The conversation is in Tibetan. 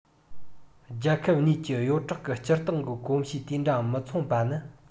རྒྱལ ཁབ གཉིས ཀྱི གཡོག གྲོག གི སྤྱིར བཏང གི གོམས གཤིས དེ འདྲ མི མཚུངས པ ནི